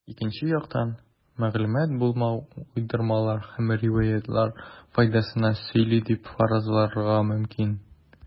Икенче яктан, мәгълүмат булмау уйдырмалар һәм риваятьләр файдасына сөйли дип фаразларга мөмкин.